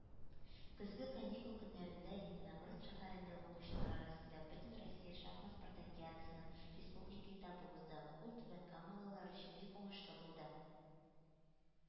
Көзге каникул көннәрендә Лениногорск шәһәрендә укучылар арасында Бөтенроссия шахмат спартакиадасының республика этабы узды, ул түбәнкамалылар өчен бик уңышлы булды.